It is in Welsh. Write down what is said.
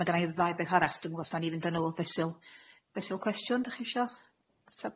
Ma genai ddau beth arall so dwmbo os da ni'n mynd a n'w fe- fesyl cwestiwn dych chi isio?